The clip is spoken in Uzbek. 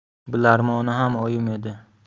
bilarmoni ham oyim edi